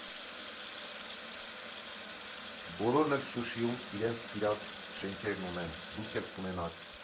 Բոլորն էլ Շուշիում իրենց սիրած շենքերն ունեն, դուք էլ կունենաք։